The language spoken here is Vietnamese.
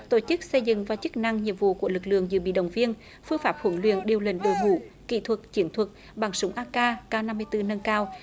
tổ chức xây dựng và chức năng nhiệm vụ của lực lượng dự bị động viên phương pháp huấn luyện điều lệnh đội ngũ kỹ thuật chiến thuật bằng súng a ca ca năm mươi tư nâng cao